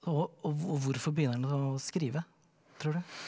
og hvorfor begynner han å skrive tror du?